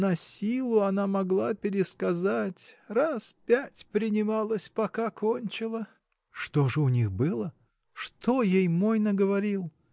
Насилу она могла пересказать: раз пять принималась, пока кончила. — Что же у них было? что ей мой наговорил?